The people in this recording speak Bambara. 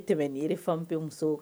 Tɛmɛ ni yɛrɛre fan bɛɛ muso